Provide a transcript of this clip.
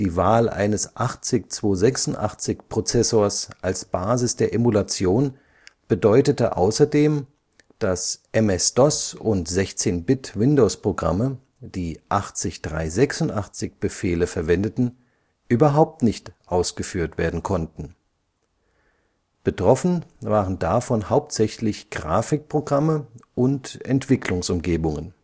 Wahl eines 80286-Prozessors als Basis der Emulation bedeutete außerdem, dass MS-DOS - und 16-Bit-Windowsprogramme, die 80386-Befehle verwendeten, überhaupt nicht ausgeführt werden konnten, betroffen waren davon hauptsächlich Grafikprogramme und Entwicklungsumgebungen